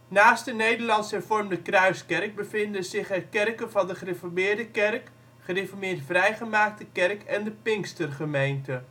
Naast de Nederlands-hervormde kruiskerk bevinden zich er kerken van de gereformeerde kerk, gereformeerd-vrijgemaakte kerk en de pinkstergemeente